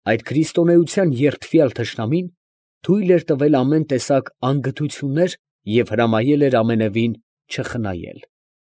Այդ քրիստոնեության երդվյալ թշնամին թույլ էր տվել ամեն տեսակ անգթություններ և հրամայել էր ամենևին չխնայել…։